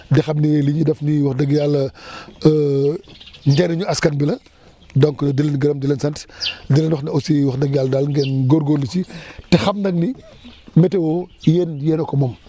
di xam ni li ñuy def nii wax dëgg yàlla njëriñu askan wi la donc di leen di gërëm di leen sant di leen wax ne aussi wax dëgg yàlla daal ngeen góorgóorlu ci te xam nag ni météo yéen yéen a ko moom